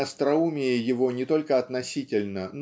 и остроумие его не только относительно